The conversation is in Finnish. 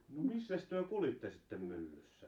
no missäs te kuljitte sitten myllyssä